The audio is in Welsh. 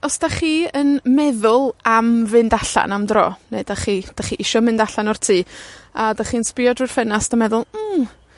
Os 'dach chi yn meddwl am fynd allan am dro, neu 'dach chi 'dach chi isio mynd allan o'r tŷ, a 'dych chi'n sbïo drw'r ffenast a meddwl mm